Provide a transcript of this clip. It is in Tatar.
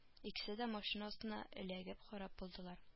Икесе дә машина астына эләгеп харап булдылар